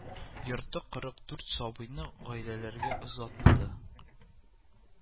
Йорты кырык дүрт сабыйны гаиләләргә озатты